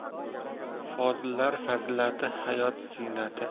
fozillar fazilati hayot ziynati